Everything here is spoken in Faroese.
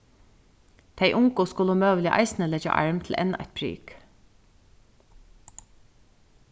tey ungu skulu møguliga eisini leggja arm til enn eitt prik